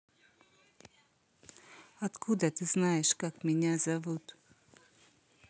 откуда ты знаешь как меня зовут